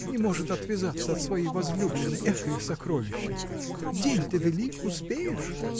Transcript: Не может отвязаться от своей возлюбленной – экое сокровище! День-то велик: успеешь!